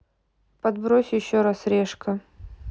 подбрось еще раз решка